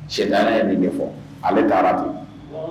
Cɛana ye bɛ ne fɔ ale taara bi